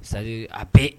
Sari a bɛɛ